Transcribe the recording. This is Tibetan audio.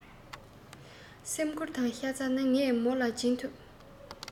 སེམས ཁུར དང ཤ ཚ ནི ངས མོ ལ སྦྱིན ཐུབ